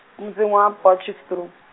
motseng wa Potchefstroom.